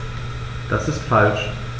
Das ist falsch.